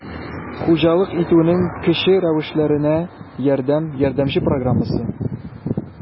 «хуҗалык итүнең кече рәвешләренә ярдәм» ярдәмче программасы